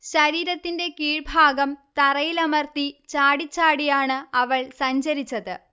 ശരീരത്തിന്റെ കീഴ്ഭാഗം തറയിലമർത്തി ചാടിച്ചാടിയാണ് അവൾ സഞ്ചരിച്ചത്